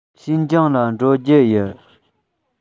ཤིན ཅང ལ འགྲོ རྒྱུ ཡིན